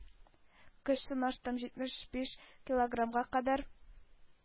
Көч сынаштым – җитмеш биш килограммга кадәр